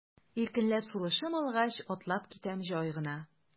Иркенләп сулышым алгач, атлап китәм җай гына.